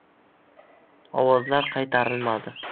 ovozlar qaytarilmadi